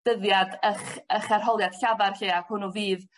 dyddiad y'ch y'ch arholiad llafar llu a hwnnw fydd